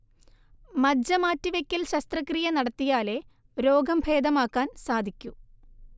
മജ്ജ മാറ്റിവെക്കൽ ശസ്ത്രക്രിയ നടത്തിയാലേ രോഗംഭേദമാക്കാൻ സാധിക്കൂ